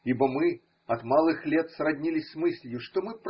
Ибо мы от малых лет сроднились с мыслью, что мы.